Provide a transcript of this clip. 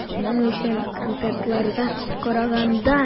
Шуның өчен, концертларга караганда,